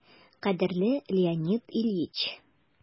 «кадерле леонид ильич!»